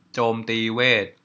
โจมตีเวท